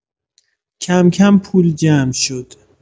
کم‌کم پول جمع شد.